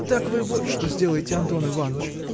Так вы вот что сделайте, Антон Иваныч